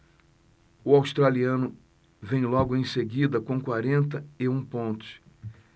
o australiano vem logo em seguida com quarenta e um pontos